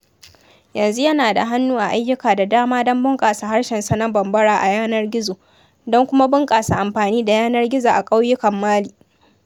Yanzu yana da hannu a ayyuka da dama don bunƙasa harshensa na Bambara a yanar gizo, don kuma bunƙasa amfani da yanar gizo a ƙauyukan Mali.